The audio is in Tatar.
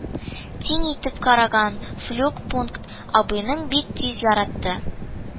Тиң итеп караган флюгпункт абыйны бик тиз яратты